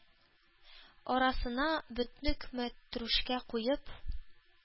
Арасына бөтнек, мәтрүшкә куеп